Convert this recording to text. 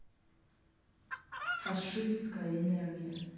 фашистская энергия